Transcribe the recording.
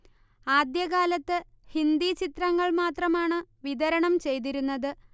ആദ്യ കാലത്ത് ഹിന്ദി ചിത്രങ്ങൾ മാത്രമാണ് വിതരണം ചെയ്തിരുന്നത്